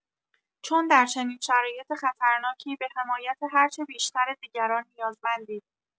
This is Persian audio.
چون در چنین شرایط خطرناکی به حمایت هرچه بیشتر دیگران نیازمندید.